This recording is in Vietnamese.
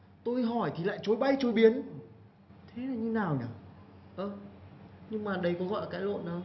tôi hỏi thì lại chối bay chối biến thế là như thế nào nhỉ ơ nhưng mà đấy có gọi là cãi lộn đâu